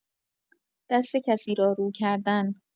دست کسی را رو کردن